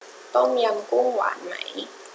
ต้มยำกุ้งหวานไหม